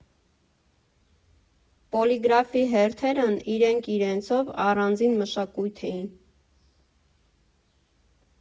Պոլիգրաֆի հերթերն իրենք իրենցով առանձին մշակույթ էին։